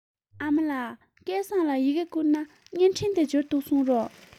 ཨ མ ལགས སྐལ བཟང ལ ཡི གེ བསྐུར ན བརྙན འཕྲིན དེ འབྱོར འདུག གསུངས རོགས